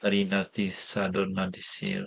Yr un ar dydd Sadwrn a dydd Sul.